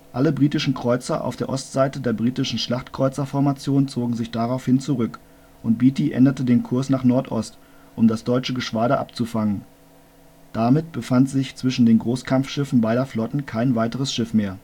Alle britischen Kreuzer auf der Ostseite der britischen Schlachtkreuzerformation zogen sich daraufhin zurück, und Beatty änderte den Kurs nach Nordost, um das deutsche Geschwader abzufangen. Damit befand sich zwischen den Großkampfschiffen beider Flotten kein weiteres Schiff mehr